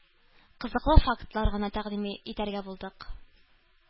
Кызыклы фактлар гына тәкъдим итәргә булдык.